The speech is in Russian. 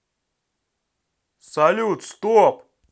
салют стоп